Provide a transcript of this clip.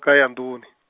kha ya nḓuni.